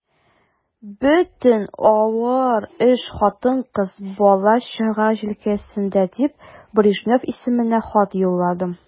Бөтен авыр эш хатын-кыз, бала-чага җилкәсендә дип, Брежнев исеменә хат юлладым.